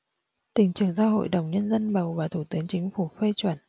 tỉnh trưởng do hội đồng nhân dân bầu và thủ tướng chính phủ phê chuẩn